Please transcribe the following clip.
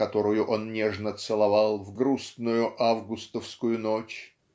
которую он нежно целовал в грустную августовскую ночь